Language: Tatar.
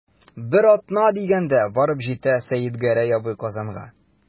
Бер атна дигәндә барып җитә Сәетгәрәй абый Казанга.